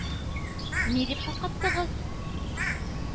-ни дип шаккаттыгыз.